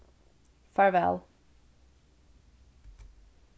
farvæl